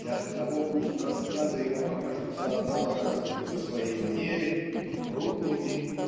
И оттого пусть рассказы его покажутся однообразными по своей манере трудными